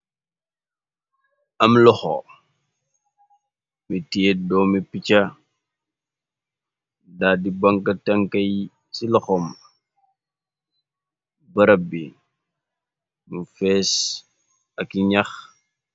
Am loxo mi téye doomi picca daa di bonka tankaye ci loxom barab bi mu fées ak ke naax.